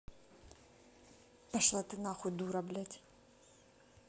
пошла ты нахуй дура блять